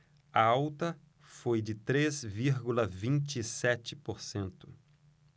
a alta foi de três vírgula vinte e sete por cento